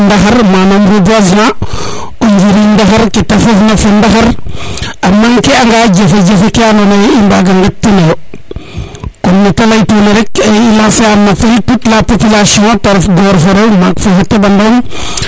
ndaxar manam reboisement o njiriñ ndaxar kete fogna fo ndaxar a manquer anga jafe jafe ke ando naye i mbaga letnin oyo comme nete ley tuna rek toute la population te ref gopor fo rew maak faxa teɓanong